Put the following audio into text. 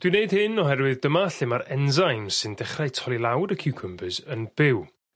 dwi neud hyn oherwydd dyma lle ma'r enzymes sy'n dechrau torri lawr y ciwcymbyrs yn byw.